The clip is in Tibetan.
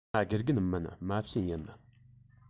ང དགེ རྒན མིན མ བྱན ཡིན